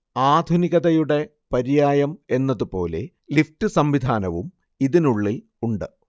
ആധുനികതയുടെ പര്യായം എന്നതുപോലെ ലിഫ്റ്റ് സംവിധാനവും ഇതിനുള്ളിൽ ഉണ്ട്